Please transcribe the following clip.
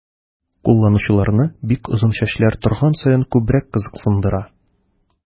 Кулланучыларны бик озын чәчләр торган саен күбрәк кызыксындыра.